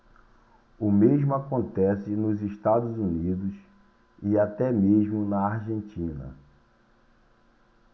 o mesmo acontece nos estados unidos e até mesmo na argentina